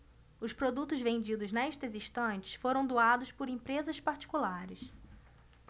os produtos vendidos nestas estantes foram doados por empresas particulares